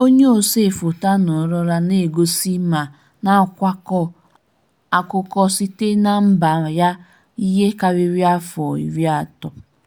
Onye ose foto a anọrọla na-egosi ma na-akọkwa akụkọ sitere na mba ya ihe karịrị afọ 30.